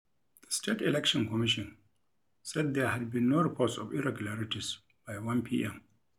The state election commission said there had been no reports of irregularities by 1 p.m.